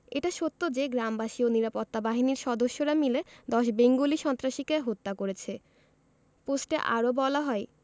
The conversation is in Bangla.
এটা সত্য যে গ্রামবাসী ও নিরাপত্তা বাহিনীর সদস্যরা মিলে ১০ বেঙ্গলি সন্ত্রাসীকে হত্যা করেছে পোস্টে আরো বলা হয়